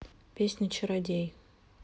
песня чародей